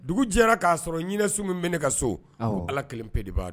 Dugu jɛra k'a sɔrɔ ɲininsiw min bɛ ne ka so ala kelen pe de b'a dɔn